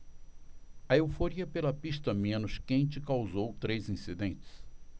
a euforia pela pista menos quente causou três incidentes